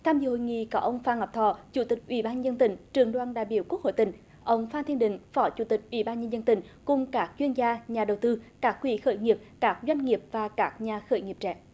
tham dự hội nghị có ông phan ngọc thọ chủ tịch ủy ban nhân dân tỉnh trưởng đoàn đại biểu quốc hội tỉnh ông phan thiên định phó chủ tịch ủy ban nhân dân tỉnh cùng các chuyên gia nhà đầu tư các quỹ khởi nghiệp các doanh nghiệp và các nhà khởi nghiệp trẻ